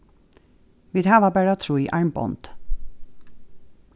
vit hava bara trý armbond